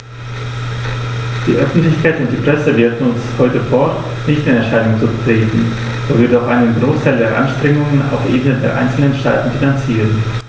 Die Öffentlichkeit und die Presse werfen uns heute vor, nicht in Erscheinung zu treten, wo wir doch einen Großteil der Anstrengungen auf Ebene der einzelnen Staaten finanzieren.